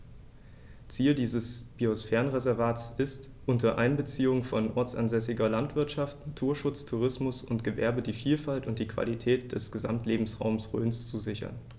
Ziel dieses Biosphärenreservates ist, unter Einbeziehung von ortsansässiger Landwirtschaft, Naturschutz, Tourismus und Gewerbe die Vielfalt und die Qualität des Gesamtlebensraumes Rhön zu sichern.